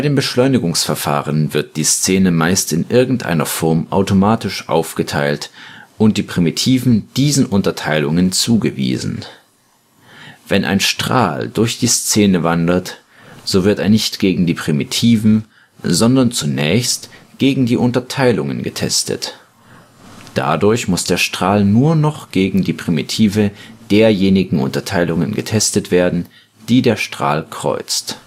Beschleunigungsverfahren wird die Szene meist in irgendeiner Form automatisch aufgeteilt und die Primitiven diesen Unterteilungen zugewiesen. Wenn ein Strahl durch die Szene wandert, so wird er nicht gegen die Primitiven, sondern zunächst gegen die Unterteilungen getestet. Dadurch muss der Strahl nur noch gegen die Primitive derjenigen Unterteilung getestet werden, die der Strahl kreuzt